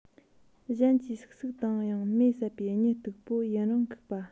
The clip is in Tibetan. གཞན གྱིས སུག སུག བཏང ཡང མེ སད པའི གཉིད སྟུག པོ ཡུན རིང ཁུག པ